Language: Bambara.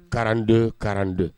Kalande kalande